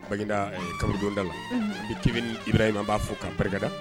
Baginda ɛɛ kaburudon da la, unhun, Iburahima an b'a fɔ k'a barikada.